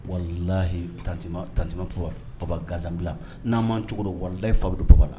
Walilahi tanti, tanti ma _papa gansan bila, n'an m'an cogo don walilahi fa bɛ don papa la